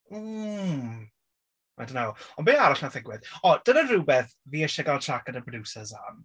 Mm. I don't know ond be arall wnaeth ddigwydd? O dyna rhywbeth fi isie gael chat gyda'r producers am.